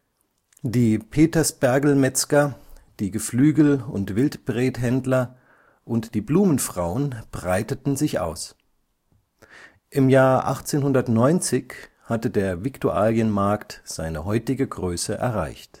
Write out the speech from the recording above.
Die Petersberglmetzger, die Geflügel - und Wildbrethändler und die Blumenfrauen breiteten sich aus. Im Jahr 1890 hatte der Viktualienmarkt seine heutige Größe erreicht